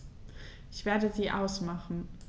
Ich werde sie ausmachen.